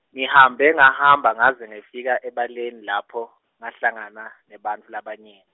ngihambe ngahamba ngaze ngefika ebaleni lapho, ngahlangana, nebantfu labanyenti.